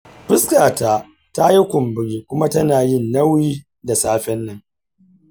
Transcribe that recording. fuskata ta yi kumburi kuma tana yi nauyi da safen nan.